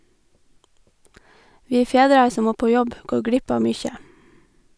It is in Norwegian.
Vi fedrar som må på jobb går glipp av mykje.